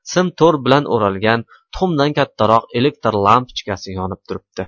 sim to'r bilan o'ralgan tuxumdan kattaroq elektr lampochkasi yonib turibdi